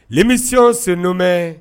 Misi sen nnmɛ